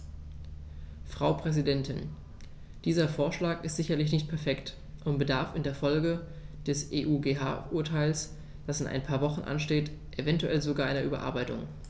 Frau Präsidentin, dieser Vorschlag ist sicherlich nicht perfekt und bedarf in Folge des EuGH-Urteils, das in ein paar Wochen ansteht, eventuell sogar einer Überarbeitung.